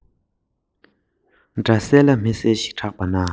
ཡོད ཚད འཇམ ཐིང ངེར གྱུར རྗེས